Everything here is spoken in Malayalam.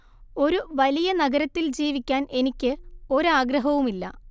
ഒരു വലിയ നഗരത്തിൽ ജീവിക്കാൻ എനിക്ക് ഒരാഗ്രഹവുമില്ല